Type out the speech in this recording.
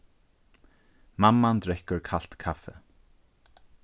mamman drekkur kalt kaffi